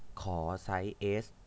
ขอไซส์เอส